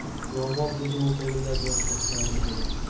yong'oq dedi u qo'limdagi yong'oqlarni ko'rib